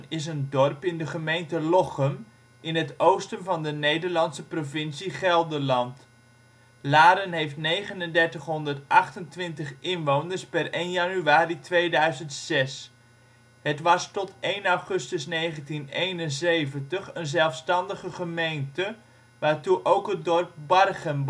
is een dorp in de gemeente Lochem in het oosten van de Nederlandse provincie Gelderland. Laren heeft 3928 inwoners (per 1 januari 2006); het was tot 1 augustus 1971 een zelfstandige gemeente, waartoe ook het dorp Barchem